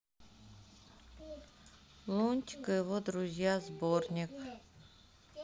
лунтик и его друзья сборник